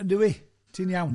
Yndyw i, ti'n iawn.